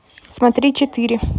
смотри четыре